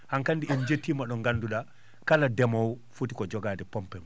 han kandi en jettima ɗo ngannduɗaa kala ndemoowo foti ko jogaade pompe mum